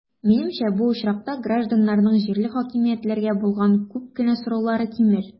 Минемчә, бу очракта гражданнарның җирле хакимиятләргә булган күп кенә сораулары кимер.